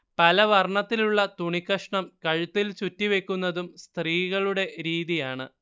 പലവർണ്ണത്തിലുള്ള തുണികഷ്ണം കഴുത്തിൽ ചുറ്റി വെക്കുന്നതും സ്ത്രീകളുടെ രീതിയാണ്